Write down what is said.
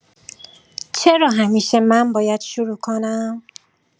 چرا همیشه من باید شروع کنم؟